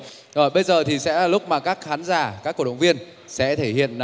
rồi bây giờ thì sẽ là lúc mà các khán giả các cổ động viên sẽ thể hiện